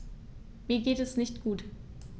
Mir geht es nicht gut.